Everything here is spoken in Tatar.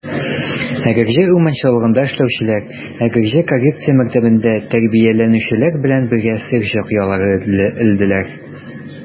Әгерҗе урманчылыгында эшләүчеләр Әгерҗе коррекция мәктәбендә тәрбияләнүчеләр белән бергә сыерчык оялары элделәр.